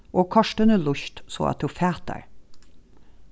og kortini lýst so at tú fatar